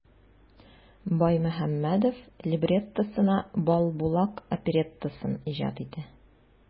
Баймөхәммәдев либреттосына "Балбулак" опереттасын иҗат итә.